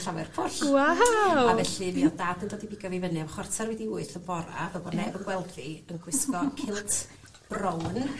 ...Llanfairpwll. Waw! A felly mi o'dd dad yn dod i bigo fi fynny am chwarter wedi wyth y bora fel bod neb yn gweld fi yn gwisgo kilt brown.